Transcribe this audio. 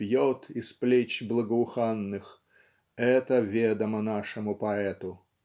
пьет из плеч благоуханных это ведомо нашему поэту.